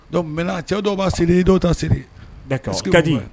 Donc maintenant cɛ dɔw b'a siri dɔw ta siri; d'accord Kadi